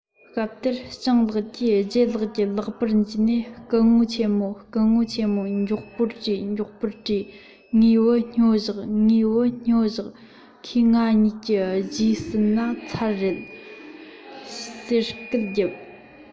སྐབས དེར སྤྱང ལགས ཀྱིས ལྗད ལགས ཀྱི ལག པ ནས འཇུས ཏེ སྐུ ངོ ཆེན མོ སྐུ ངོ ཆེན མོ མགྱོགས པོ བྲོས མགྱོགས པོ བྲོས ངའི བུ སྨྱོ བཞག ངའི བུ སྨྱོ བཞག ཁོས ང གཉིས ཀྱི རྗེས ཟིན ན ཚར བ རེད ཤི རྒྱུ མ གཏོགས ཡོད མ རེད ཟེར སྐད རྒྱབ